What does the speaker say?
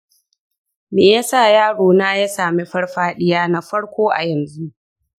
me yasa yaro na ya sami farfaɗiya na farko a yanzu?